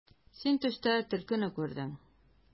Син төштә төлкене күрдең.